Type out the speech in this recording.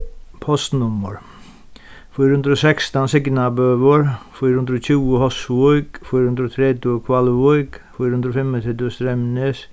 postnummur fýra hundrað og sekstan signabøur fýra hundrað og tjúgu hósvík fýra hundrað og tretivu hvalvík fýra hundrað og fimmogtretivu streymnes